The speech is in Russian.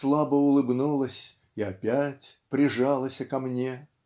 слабо улыбнулась И опять прижалася ко мне.